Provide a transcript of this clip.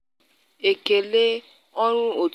Ekele ọrụ òtù ndịọrụ!